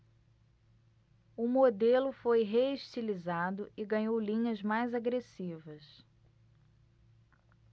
o modelo foi reestilizado e ganhou linhas mais agressivas